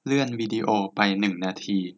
เลื่อนวีดีโอไปหนึ่งนาที